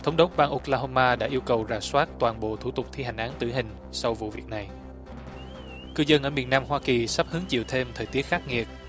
thống đốc bang ô cờ la hô ma đã yêu cầu rà soát toàn bộ thủ tục thi hành án tử hình sau vụ việc này cư dân ở miền nam hoa kỳ sắp hứng chịu thêm thời tiết khắc nghiệt